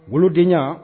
Bolodenɲɛ